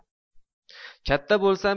katta bo'lsam